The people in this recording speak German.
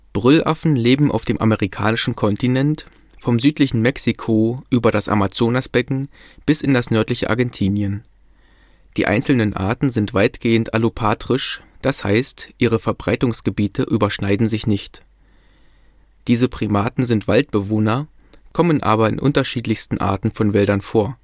Brüllaffen leben auf dem amerikanischen Kontinent, vom südlichen Mexiko über das Amazonasbecken bis in das nördliche Argentinien. Die einzelnen Arten sind weitgehend allopatrisch, das heißt ihre Verbreitungsgebiete überschneiden sich nicht. Diese Primaten sind Waldbewohner, kommen aber in unterschiedlichsten Arten von Wäldern vor